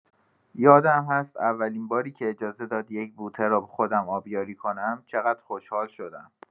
یادم هست اولین باری که اجازه داد یک بوته را خودم آبیاری کنم چقدر خوشحال شدم.